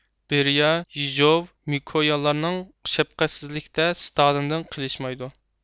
بىرىيا يىژوۋ مىكويانلارنىڭ شەپقەتسىزلىكتە سىتالىندىن قېلىشمايدۇ